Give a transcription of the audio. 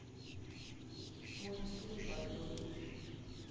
мультфильм патруль